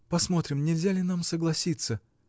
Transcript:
Посмотрим, нельзя ли нам согласиться?.